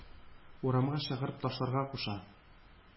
Урамга чыгарып ташларга куша.